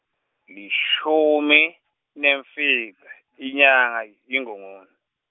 lishumi, nemfica, inyanga yingongoni.